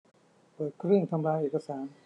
เปิดเครื่องทำลายเอกสาร